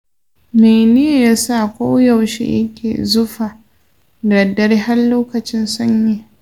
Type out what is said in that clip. mene yasa koyaushe yake zufa da daddare har a lokacin sanyi?